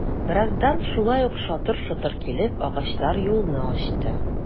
Бераздан шулай ук шатыр-шотыр килеп, агачлар юлны ачты...